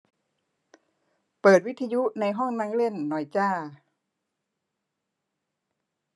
เปิดวิทยุในห้องนั่งเล่นหน่อยจ้า